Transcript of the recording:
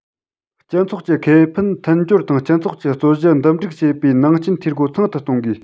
སྤྱི ཚོགས ཀྱི ཁེ ཕན མཐུན སྦྱོར དང སྤྱི ཚོགས ཀྱི རྩོད གཞི འདུམ འགྲིག བྱེད པའི ནང རྐྱེན འཐུས སྒོ ཚང དུ གཏོང དགོས